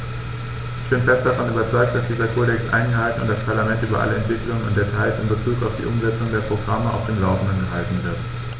Ich bin fest davon überzeugt, dass dieser Kodex eingehalten und das Parlament über alle Entwicklungen und Details in bezug auf die Umsetzung der Programme auf dem laufenden gehalten wird.